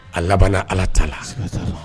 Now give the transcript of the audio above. A laban ala ta la